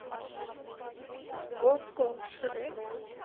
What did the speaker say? окко шрек